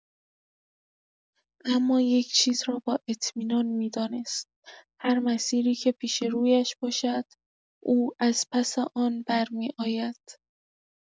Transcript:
اما یک چیز را با اطمینان می‌دانست: هر مسیری که پیش رویش باشد، او از پس آن برمی‌آید.